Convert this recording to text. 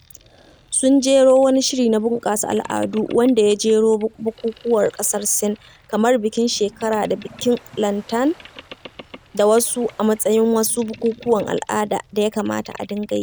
Sun jero wani shiri na bunƙasa al'adu wanda ya jero bukukuwan ƙasar Sin kamar bikin shekara da bikin Lantern, da wasu, a matsayin wasu bukukuwan al'ada da ya kamata a dinga yi.